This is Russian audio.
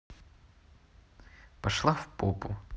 пошла в попу